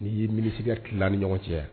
N'i'i mibilisigɛ tila ni ɲɔgɔn cɛ